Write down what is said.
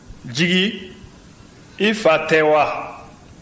jigi i fa tɛ wa